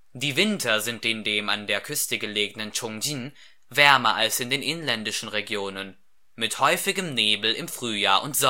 Die Winter sind in dem an der Küste gelegenen Ch’ ŏngjin wärmer als in den inländischen Regionen, mit häufigem Nebel im Frühjahr